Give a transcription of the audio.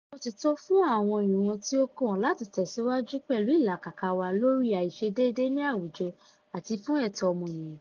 Àsìkò ti tó fún àwọn ìran tí ó kàn láti tẹ̀síwájú pẹ̀lú ìlàkàkà wa lórí àìṣedéédé ní àwùjọ àti fún ẹ̀tọ́ ọmọnìyàn.